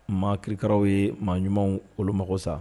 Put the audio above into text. Maa kirikaraww ye maa ɲumanw olu mago sa